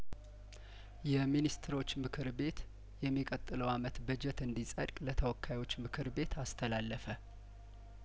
የሚኒስትሮች ምክር ቤት የሚቀጥለው አመት በጀት እንዲ ጸድቅ ለተወካዮች ምክር ቤት አስተላለፈ